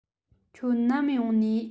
ཁྱོད ནམ ཡོང ནིས